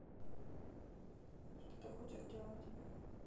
что ты хочешь делать